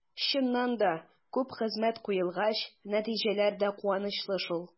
Чыннан да, күп хезмәт куелгач, нәтиҗәләр дә куанычлы шул.